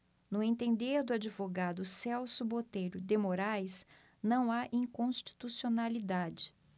no entender do advogado celso botelho de moraes não há inconstitucionalidade